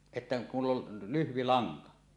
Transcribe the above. että minulla oli lyhyt lanka